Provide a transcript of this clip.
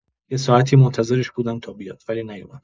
یه ساعتی منتظرش بودم تا بیاد، ولی نیومد.